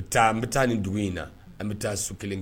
An bɛ an bɛ taa nin dugu in na an bɛ taa so kelen kɛ